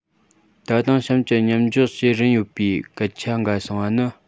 ད དུང གཤམ གྱི མཉམ འཇོག བྱེད རིན ཡོད པའི སྐད ཆ འགའ གསུངས པ ནི